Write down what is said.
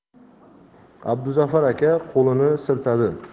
abduzafar aka qo'lini siltadi